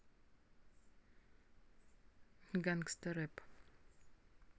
гангстарэп